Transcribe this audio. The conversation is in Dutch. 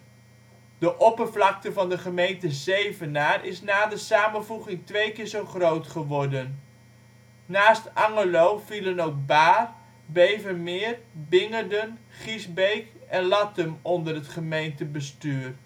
oppervlakte van de gemeente Zevenaar is na de samenvoeging twee keer zo groot geworden. Naast Angerlo vielen ook Bahr, Bevermeer, Bingerden, Giesbeek en Lathum onder het gemeentebestuur